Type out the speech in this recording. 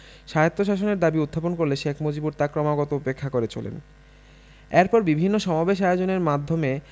স্বায়ত্বশাসনের দাবী উত্থাপন করলে শেখ মুজিব তা ক্রমাগত উপেক্ষা করে চলেন এরপর বিভিন্ন সামবেশ আয়োজনের মাধ্যমে